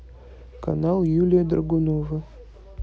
канал юлия драгунова